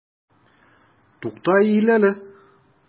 Тукта, иел әле!